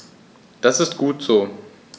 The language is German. Das ist gut so.